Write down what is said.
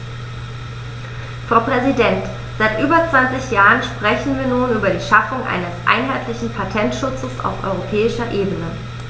Frau Präsidentin, seit über 20 Jahren sprechen wir nun über die Schaffung eines einheitlichen Patentschutzes auf europäischer Ebene.